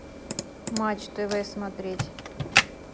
матч тв смотреть